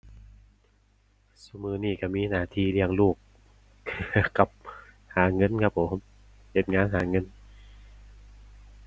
ซุมื้อนี้ก็มีหน้าที่เลี้ยงลูก กับหาเงินครับผม เฮ็ดงานหาเงิน